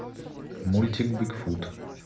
мультик бигфут